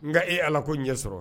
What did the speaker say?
N e ala ko n ɲɛ sɔrɔ